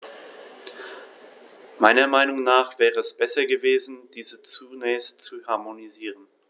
Meiner Meinung nach wäre es besser gewesen, diese zunächst zu harmonisieren.